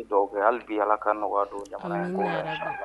N bɛ dugawu kɛ hali bi ala ka nɔgɔya don jamana in ko la. Amina ya rabi